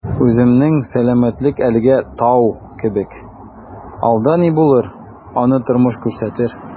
Үземнең сәламәтлек әлегә «тау» кебек, алда ни булыр - аны тормыш күрсәтер...